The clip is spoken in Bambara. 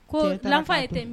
Ko kalan ye tɛ